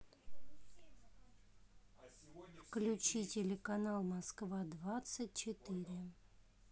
включи телеканал москва двадцать четыре